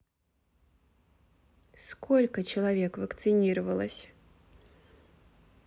сколько человек вакцинировалось